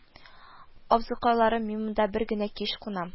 – абзыкайларым, мин монда бер генә кич кунам